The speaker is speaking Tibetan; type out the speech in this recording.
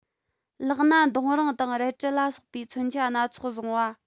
ལག ན མདུང རིང དང རལ གྲི ལ སོགས པའི མཚོན ཆ སྣ ཚོགས བཟུང བ